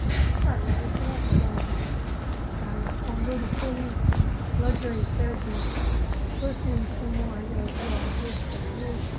Rosa ni a retí láti gba ọ̀nà tààrà kan lórí Phoenix lọjọ́ Ìṣẹ́gun, tósì ńsúnmọ́ alẹ́ ọjọ́ Ajé pẹ̀lú òjò.